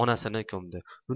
onasini ko'mdi